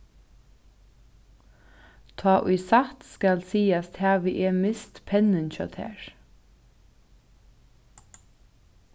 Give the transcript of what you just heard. tá ið satt skal sigast havi eg mist pennin hjá tær